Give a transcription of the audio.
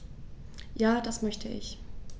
Ja, das möchte ich.